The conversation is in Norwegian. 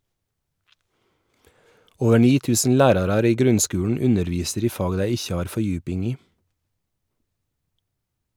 Over 9.000 lærarar i grunnskulen underviser i fag dei ikkje har fordjuping i.